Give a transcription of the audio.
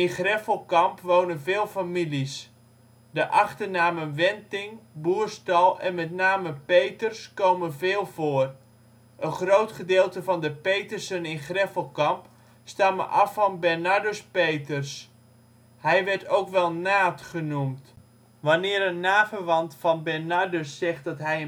Greffelkamp wonen veel families. De achternamen Wenting, Boerstal en met name Peters komen veel voor. Een groot gedeelte van de ' Petersen ' in Greffelkamp stammen af van Bernardus Peters. Hij werd ook wel ' Naat ' genoemd. Wanneer een naverwant van Bernardus zegt dat hij